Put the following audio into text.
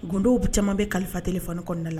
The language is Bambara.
Gdo bɛ cɛman bɛ kalifati f kɔnda la